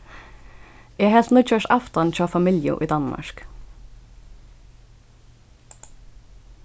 eg helt nýggjársaftan hjá familju í danmark